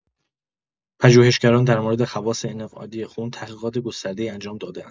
پژوهشگران در مورد خواص انعقادی خون تحقیقات گسترده‌ای انجام داده‌اند.